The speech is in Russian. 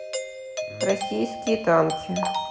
российские танки